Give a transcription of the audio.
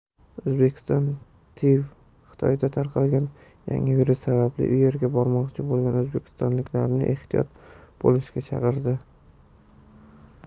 o'zbekiston tiv xitoyda tarqalgan yangi virus sababli u yerga bormoqchi bo'lgan o'zbekistonliklarni ehtiyot bo'lishga chaqirgan